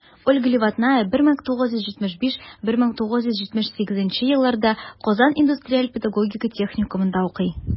Ольга Левадная 1975-1978 елларда Казан индустриаль-педагогика техникумында укый.